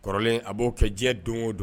Kɔrɔlen a b'o kɛ diɲɛ don o don